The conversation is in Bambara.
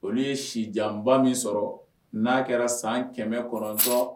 Olu ye sijanba min sɔrɔ n'a kɛra san kɛmɛ kɔnɔnsɔn